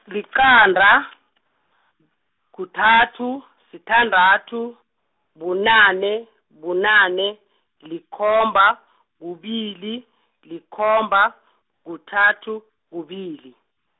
liqanda, kuthathu, sithandathu, bunane, bunane, likhomba, kubili, likhomba, kuthathu, kubili.